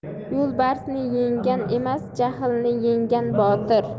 yo'lbarsni yenggan emas jahlni yenggan botir